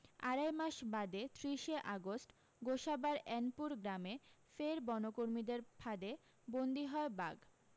আড়াই মাস বাদে ত্রিশে আগস্ট গোসাবার অ্যানপুর গ্রামে ফের বনকর্মীদের ফাঁদে বন্দি হয় বাঘ